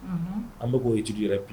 An bi ko étudie yɛrɛ